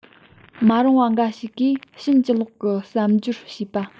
མ རུངས པ འགའ ཞིག གིས ཕྱིན ཅི ལོག གི བསམ སྦྱོར བྱས པ